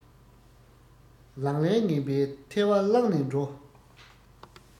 ལག ལེན ངན པས ཐལ བ བསླངས ནས འགྲོ